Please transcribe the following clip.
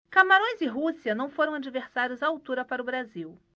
camarões e rússia não foram adversários à altura para o brasil